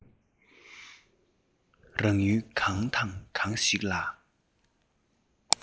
རང ཡུལ གང དང གང ཞིག ལ